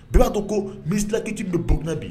I b'a dɔn ko minister de la culture bɛ Burukina bi.